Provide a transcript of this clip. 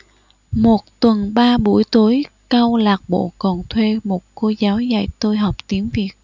một tuần ba buổi tối câu lạc bộ còn thuê một cô giáo dạy tôi học tiếng việt